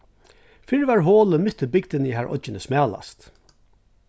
fyrr var holið mitt í bygdini har oyggin er smalast